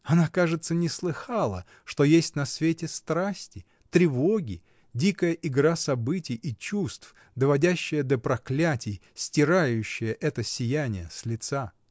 Она, кажется, не слыхала, что есть на свете страсти, тревоги, дикая игра событий и чувств, доводящие до проклятий, стирающие это сияние с лица.